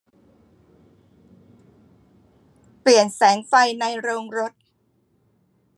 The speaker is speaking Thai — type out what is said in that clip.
เปลี่ยนแสงไฟในโรงรถ